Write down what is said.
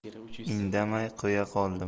indamay qo'ya qoldim